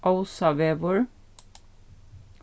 ósavegur